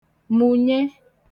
mụ̀nye